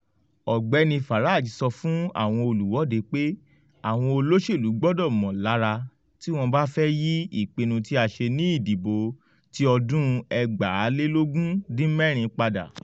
Ọ̀gbẹ́ni Farage sọ fún àwọn olùwọ́de pé àwọn olóṣèlú gbọdọ̀ ‘mọ̀ lára’ tí wọ́n bá fẹ́ yí ìpinnu tí a ṣé ní ìdibo ti 2016 padà.